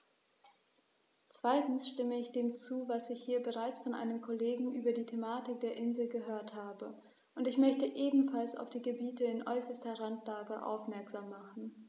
Zweitens stimme ich dem zu, was ich hier bereits von einem Kollegen über die Thematik der Inseln gehört habe, und ich möchte ebenfalls auf die Gebiete in äußerster Randlage aufmerksam machen.